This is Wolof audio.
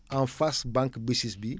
en face banque BCIS bi